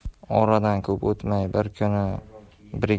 oradan ko'p o'tmay bir kuni